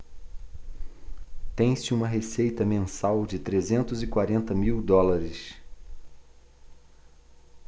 tem-se uma receita mensal de trezentos e quarenta mil dólares